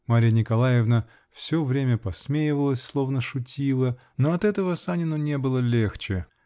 Марья Николаевна все время посмеивалась, словно шутила, но от этого Санину не было легче